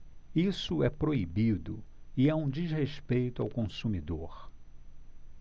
isso é proibido e é um desrespeito ao consumidor